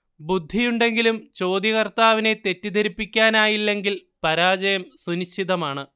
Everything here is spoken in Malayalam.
ബുദ്ധിയുണ്ടെങ്കിലും ചോദ്യകർത്താവിനെ തെറ്റിദ്ധരിപ്പിക്കാനായില്ലെങ്കിൽ പരാജയം സുനിശ്ചിതമാണ്